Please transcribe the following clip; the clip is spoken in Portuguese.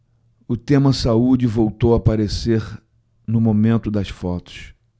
o tema saúde voltou a aparecer no momento das fotos